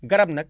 garab nag